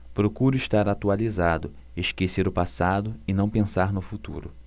procuro estar atualizado esquecer o passado e não pensar no futuro